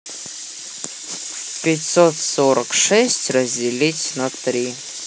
пятьсот сорок шесть разделить на три